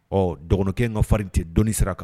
Ɔ dɔgɔninkɛ in ka farin ten dɔnnii sira kan